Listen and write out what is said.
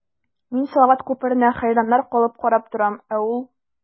Мин салават күперенә хәйраннар калып карап торам, ә ул...